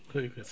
*